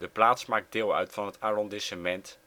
plaats maakt deel uit van het arrondissement